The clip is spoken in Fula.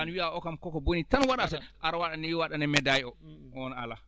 tan wiyaa o ɗo kam ko ko boni tan waɗata ar waɗani waɗane médaille o oon alaa